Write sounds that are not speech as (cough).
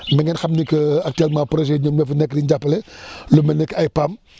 na ngeen xam ni que actuellement projets yi ñoom ñoo fa nekk di ñu jàppale (breath) lu mel ni que ay PAM